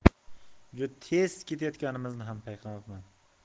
juda tez ketayotganimizni ham payqamabman